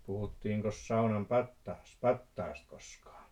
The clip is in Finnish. puhuttiinkos saunan - pattaasta koskaan